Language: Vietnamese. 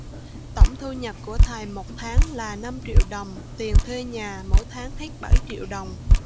tổng thu nhập của thầy một tháng là năm triệu đồng tiền thuê nhà mỗi tháng hết bảy triệu đồng